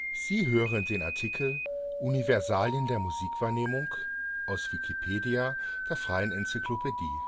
Sie hören den Artikel Universalien der Musikwahrnehmung, aus Wikipedia, der freien Enzyklopädie